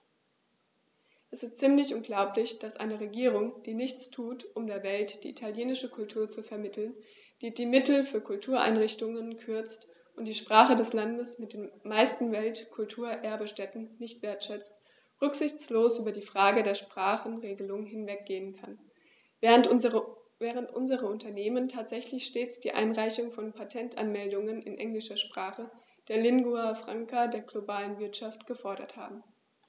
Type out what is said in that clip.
Es ist ziemlich unglaublich, dass eine Regierung, die nichts tut, um der Welt die italienische Kultur zu vermitteln, die die Mittel für Kultureinrichtungen kürzt und die Sprache des Landes mit den meisten Weltkulturerbe-Stätten nicht wertschätzt, rücksichtslos über die Frage der Sprachenregelung hinweggehen kann, während unsere Unternehmen tatsächlich stets die Einreichung von Patentanmeldungen in englischer Sprache, der Lingua Franca der globalen Wirtschaft, gefordert haben.